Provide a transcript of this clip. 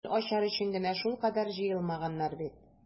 Күңел ачар өчен генә шулкадәр җыелмаганнар бит.